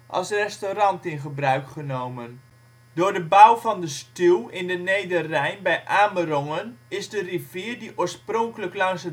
als restaurant in gebruik genomen. Door de bouw van de stuw in de Nederrijn bij Amerongen is de rivier die oorspronkelijk langs